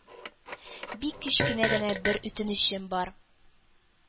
Бик кечкенә генә бер үтенечем бар.